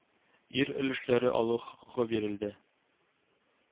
Ир өлешләре алу хокукы бирелде